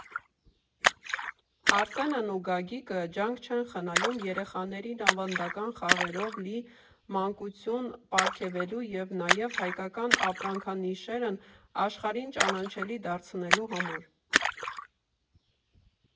Արսենն ու Գագիկը ջանք չեն խնայում երեխաներին ավանդական խաղերով լի մանկություն պարգևելու, և նաև հայկական ապրանքանիշերն աշխարհին ճանաչելի դարձնելու համար։